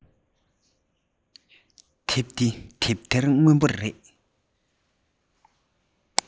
དེབ འདི དེབ ཐིར སྔོན པོ རེད